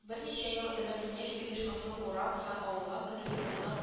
Берничә ел элек нефть оешмасы урам һәм авылга керү юлына